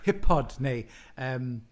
Hip-hod, neu yym...